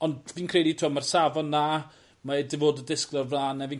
ond fi'n credu t'wo' ma'r safon 'na mae ei dyfodol disgwl o flan e fi'n